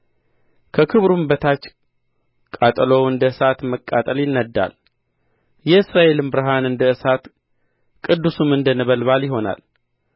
ከክብሩም በታች ቃጠሎው እንደ እሳት መቃጠል ይነድዳል የእስራኤልም ብርሃን እንደ እሳት ቅዱስም እንደ ነበልባል ይሆናል